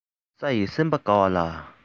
ས ཡིས སེམས པ དགའ བ ལ